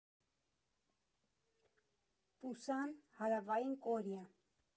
Պուսան, Հարավային Կորեա։